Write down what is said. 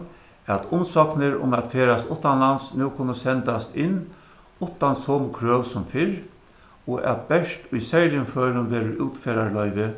at umsóknir um at ferðast uttanlands nú kunnu sendast inn uttan somu krøv sum fyrr og at bert í serligum førum verður útferðarloyvi